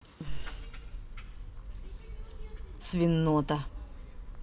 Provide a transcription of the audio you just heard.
свинота